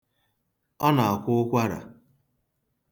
Ọ na-akwa ụkwara.